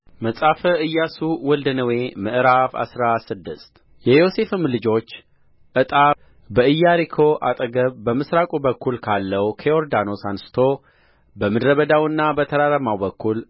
መጽሐፈ ኢያሱ ወልደ ነዌ ምዕራፍ አስራ ስድስት የዮሴፍም ልጆች ዕጣ በኢያሪኮ አጠገብ በምሥራቁ በኩል ካለው ከዮርዳኖስ አንሥቶ በምድረ በዳውና በተራራማው በኩል